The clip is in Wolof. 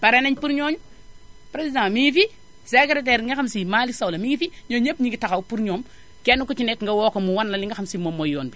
pare ñoonu pour ñooñu président mi ngi fi secrétaire bi nga xam si Malick Sow la mi ngi fi ñooñu ñépp ñi ngi taxaw pour ñoom kenn ku ci nekk nga woo ko mu wan la li nga xam sii moom mooy yoon bi